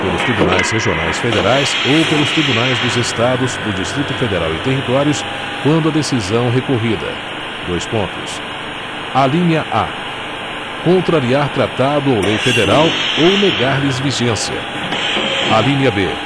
pelos tribunais regionais federais ou pelos tribunais dos estados do distrito federal e territórios quando a decisão recorrida dois pontos alínea a contrariar tratado ou lei federal ou negar lhes vigência alínea b